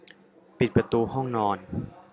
ปิดประตูห้องนอน